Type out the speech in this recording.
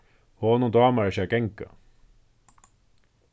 honum dámar ikki at ganga